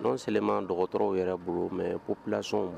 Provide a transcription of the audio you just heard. N selenman dɔgɔtɔrɔw yɛrɛ bolo mɛ p plasɔn